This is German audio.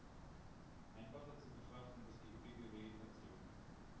Einfacher zu betrachten ist die üppige Vegetation.